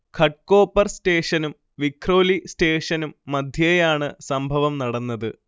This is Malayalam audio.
ഘട്കോപർ സ്റ്റേഷനും വിഖ്രോലി സ്റ്റേഷനും മധ്യേയാണ് സംഭവം നടന്നത്